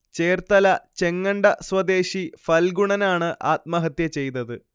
ചേർത്തല ചെങ്ങണ്ട സ്വദേശി ഫൽഗുണനാണ് ആത്മഹത്യ ചെയ്തത്